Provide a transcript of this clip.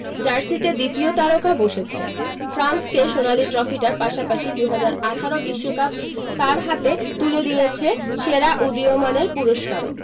জার্সিতে দ্বিতীয় তারকা বসেছে ফ্রান্সকে সোনালি ট্রফিটার পাশাপাশি ২০১৮ বিশ্বকাপ তাঁর হাতে তুলে দিয়েছে সেরা উদীয়মানের পুরস্কারও